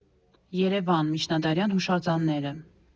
Երևան։ Միջնադարյան հուշարձանները։